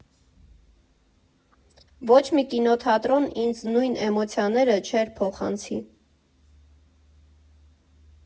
Ոչ մի կինոթատրոն ինձ նույն էմոցիաները չէր փոխանցի։